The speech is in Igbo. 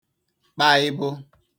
kpaìbụ̀